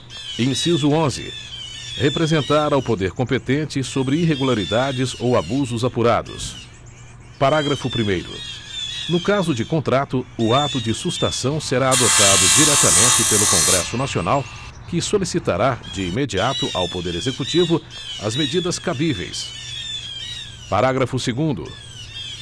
inciso onze representar ao poder competente sobre irregularidades ou abusos apurados parágrafo primeiro no caso de contrato o ato de sustação será adotado diretamente pelo congresso nacional que solicitará de imediato ao poder executivo as medidas cabíveis parágrafo segundo